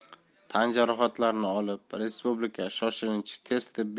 tan jarohatlari olib respublika shoshilinch tez tibbiy